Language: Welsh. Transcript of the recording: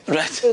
Reit.